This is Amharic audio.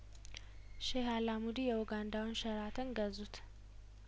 ሼህ አልአሙዲ የኡጋንዳውን ሼራተን ገዙት